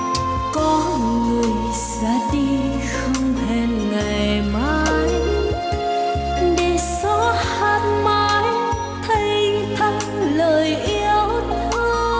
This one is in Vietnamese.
có người ra đi không hẹn ngày mai để gió hát mãi thênh thang lời yêu thương